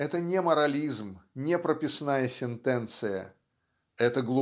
Это не морализм, не прописная сентенция это